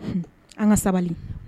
An ka sabali